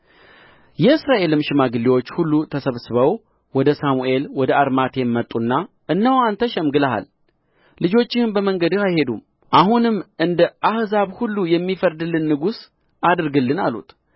የእስራኤልም ሽማግሌዎች ሁሉ ተሰብስበው ወደ ሳሙኤል ወደ አርማቴም መጡና እነሆ አንተ ሸምግለሃል ልጆችህም በመንገድህ አይሄዱም አሁንም እንደ አሕዛብ ሁሉ የሚፈርድልን ንጉሥ አድርግልን አሉት